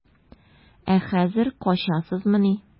Ә хәзер качасызмыни?